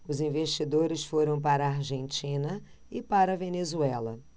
os investidores foram para a argentina e para a venezuela